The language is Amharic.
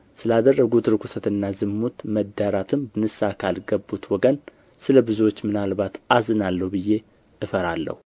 ስላደረጉት ርኵሰትና ዝሙት መዳራትም ንስሐ ካልገቡት ወገን ስለ ብዙዎች ምናልባት አዝናለሁ ብዬ እፈራለሁ